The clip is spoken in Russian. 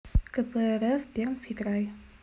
кпрф пермский край